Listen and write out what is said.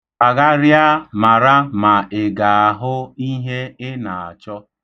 Kpagharịa mara ma ị ga-ahụ ihe ị na-achọ.